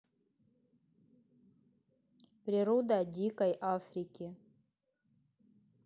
природа дикой африки